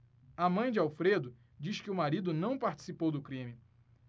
a mãe de alfredo diz que o marido não participou do crime